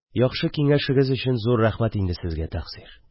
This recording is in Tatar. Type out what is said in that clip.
– яхшы киңәшегез өчен зур рәхмәт сезгә, тәкъсир.